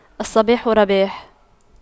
الصباح رباح